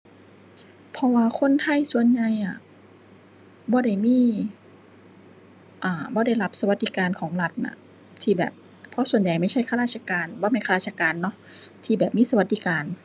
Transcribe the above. เพราะว่าคนไทยส่วนใหญ่อะ บ่ได้มี อ่า บ่ได้รับสวัสดิการของรัฐน่ะ ที่แบบคนส่วนใหญ่ไม่ใช่ข้าราชการ บ่แม่นข้าราชการเนาะ ที่แบบมีสวัสดิการ